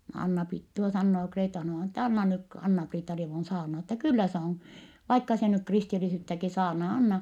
no Anna-Priita tuo sanoo Kreeta-Juhanna-vainaja että anna nyt - Anna-Priitta-rievun saarnata että kyllä se on vaikka se nyt kristillisyyttäkin saarnaa anna